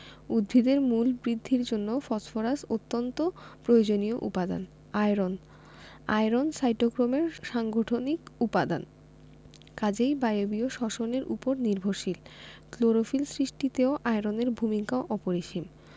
উদ্ভিদের মূল বৃদ্ধির জন্য ফসফরাস অত্যন্ত প্রয়োজনীয় উপাদান আয়রন আয়রন সাইটোক্রোমের সাংগঠনিক উপাদান কাজেই বায়বীয় শ্বসন এর উপর নির্ভরশীল ক্লোরোফিল সৃষ্টিতেও আয়রনের ভূমিকা অপরিসীম